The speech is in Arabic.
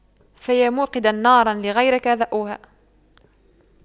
فيا موقدا نارا لغيرك ضوؤها